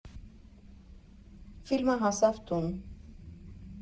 Ֆիլմը հասավ տուն։